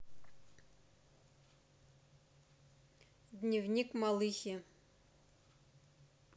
дневник малыхи